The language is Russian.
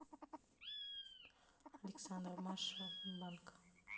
александр маршал банка